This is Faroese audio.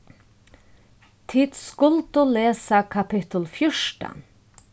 tit skuldu lesa kapittul fjúrtan